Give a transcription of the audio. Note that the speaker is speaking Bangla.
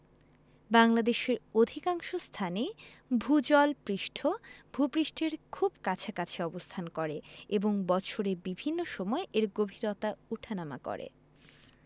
বাংলাদেশের অধিকাংশ স্থানেই ভূ জল পৃষ্ঠ ভূ পৃষ্ঠের খুব কাছাকাছি অবস্থান করে এবং বৎসরের বিভিন্ন সময় এর গভীরতা উঠানামা করে